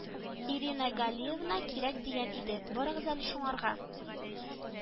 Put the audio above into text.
Ирина Галиевна кирәк дигән иде, барыгыз әле шуңарга